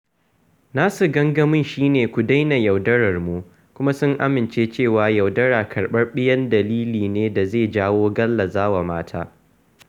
Nasu gangamin shi ne "Ku Daina Yaudarar Mu" kuma sun amince cewa yaudara karɓaɓɓen dalili ne da zai jawo gallazawa mata.